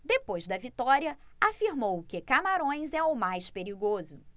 depois da vitória afirmou que camarões é o mais perigoso